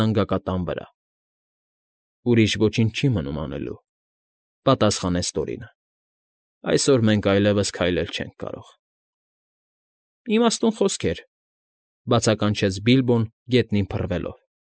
Զանգակատան վրա։ ֊ Ուրիշ ոչինչ չի մնում անելու,֊ պատասխանեց Տորինը։֊ Այսօր մենք այլևս քայլել չենք կարող։ ֊ Իմաստուն խոսքեր,֊ բացականչեց Բիլբոն՝ գետնին փռվելով։